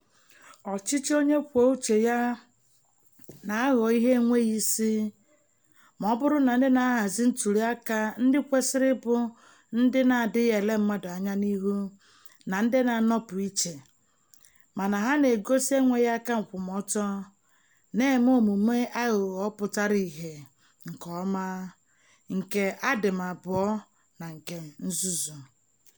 Ọchịchị onye kwuo uche ya na-aghọ ihe enweghị isi ma ọ bụrụ na ndị na-ahazi ntụliaka ndị kwesịrị ịbụ ndị na-adịghị ele mmadụ anya n'ihu na ndị na-anọpụ iche, mana ha na-egosi enweghị aka nkwụmọtọ, na-eme omume aghụghọ pụtara ihe nke ọma, nke adịm abụọ na nke nzuzu.